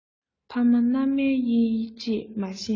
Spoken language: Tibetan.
ཕ མ མནའ མའི དབྱེ འབྱེད མ ཤེས ན